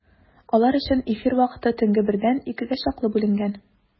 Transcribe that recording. Алар өчен эфир вакыты төнге бердән икегә чаклы бүленгән.